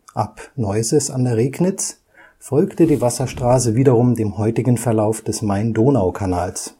Ab Neuses an der Regnitz folgte die Wasserstraße wiederum dem heutigen Verlauf des Main-Donau-Kanals